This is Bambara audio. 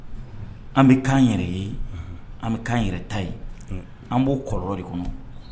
An bɛ'an yɛrɛ ye an bɛ k yɛrɛ ta ye an b'o kɔrɔ de kɔnɔ